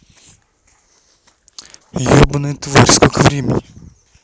ебаная тварь сколько времени